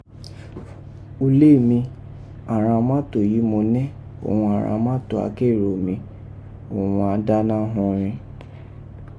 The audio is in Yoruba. Ulé mi, àghan mátò yìí mo nẹ́ òghun àghan mátò akẹ́rù mi òghun án dáná họn rin.